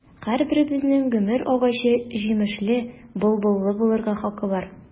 Һәрберебезнең гомер агачы җимешле, былбыллы булырга хакы бар.